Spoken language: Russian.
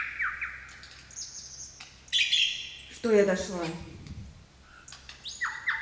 что я дошла